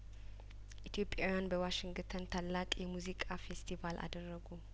ኢትዮጵያዊያን በዋሽንግተን ታላቅ የሙዚቃ ፌስቲቫል አደረጉ